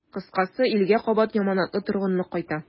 Кыскасы, илгә кабат яманатлы торгынлык кайта.